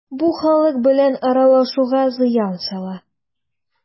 Бу халык белән аралашуга зыян сала.